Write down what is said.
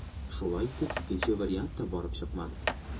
Шулай итеп, икенче вариант та барып чыкмады.